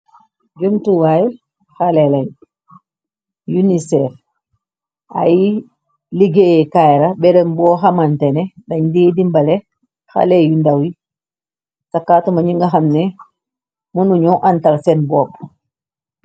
Jumtuwaay xale leñ, UNICEF, ay liggéeyekaay la berëm boo xamante ne dañ dii dimbale xale yu ndaw yi, sa kaatuma ñi nga xamne mënu ñoo àntal seen boppu.